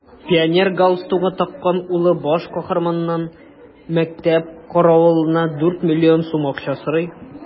Пионер галстугы таккан улы баш каһарманнан мәктәп каравылына дүрт миллион сум акча сорый.